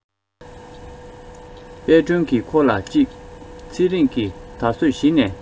དཔལ སྒྲོན གྱིས ཁོ ལ གཅིག ཚེ རིང ནི ད གཟོད གཞི ནས